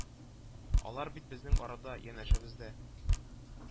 Алар бит безнең арада, янәшәбездә